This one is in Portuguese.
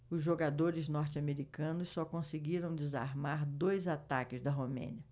os jogadores norte-americanos só conseguiram desarmar dois ataques da romênia